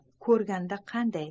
ko'rganda qanday